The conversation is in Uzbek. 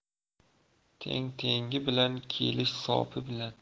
teng tengi bilan keli sopi bilan